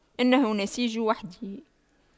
إنه نسيج وحده